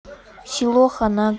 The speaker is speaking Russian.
село ханаг